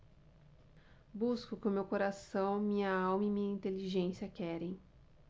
busco o que meu coração minha alma e minha inteligência querem